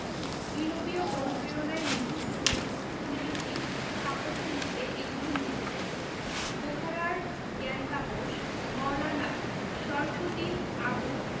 ইউরোপীয় অনুপ্রেরণায় নতুন উপনিবেশিক স্থাপত্য রীতিতে এগুলি নির্মিত বোখারার জ্ঞানতাপস মওলানা শরফুদ্দীন আবু